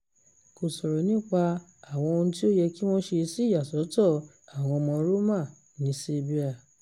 Kò sọ̀rọ̀ nípa àwọn ohun tí ó yẹ kí wọ́n ṣe sí ìyàsọ́tọ̀ àwọn ọmọ Roma ní Serbia.